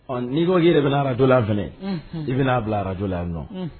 Ɔ n'i ko k'i yɛrɛ bɛna - radio - la yan fɛnɛ unhun i bɛn'a bila radio la yan nɔ unhun